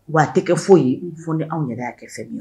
Wa a tɛ kɛ foyi ye fo ni anw yɛrɛ ya kɛ fɛn min